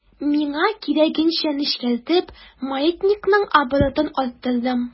Миңа кирәгенчә нечкәртеп, маятникның оборотын арттырдым.